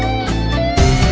đời